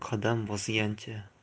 og'ir qadam bosgancha